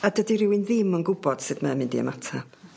a dydi rywun ddim yn gwbod sut mae mynd i ymatab.